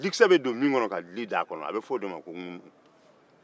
dikisɛ bɛ don min kɔnɔ ka di da a kɔnɔ a bɛ fɔ o de ma ko ŋunun